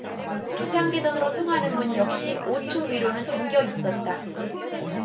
비상계단으로 통하는 문 역시 오 층 위로는 잠겨 있었다